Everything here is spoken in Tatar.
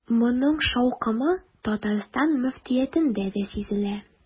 Моның шаукымы Татарстан мөфтиятендә дә сизелә.